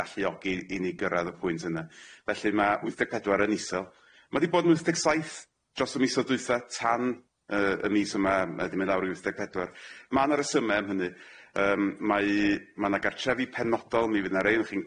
galluogi i ni gyrradd y pwynt yna felly ma' wyth deg pedwar yn isel ma' di bod yn wyth deg saith dros y misoedd dwytha tan yy y mis yma yy wedyn mynd lawr i wyth deg pedwar ma' na resyme am hynny yym mae ma' na gartrefi penodol mi fydd na rei o'ch chi'n